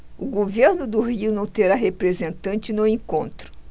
o governo do rio não terá representante no encontro